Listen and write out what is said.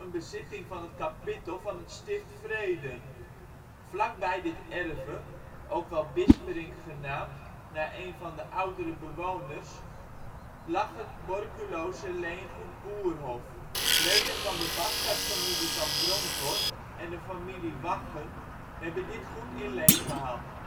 bezitting van het kapittel van het Stift Vreden. Vlakbij dit erve (ook wel Bisperink genaamd, naar één van de oudere bewoners) lag het Borculose leengoed Boerhof. Leden van de bastaardfamilie Van Bronkhorst en de familie Wachen hebben dit goed in leen gehad